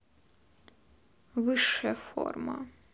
высшая форма